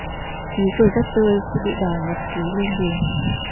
ý cười rất tươi khi bị đòi nhật ký lên đường